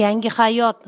yangi hayot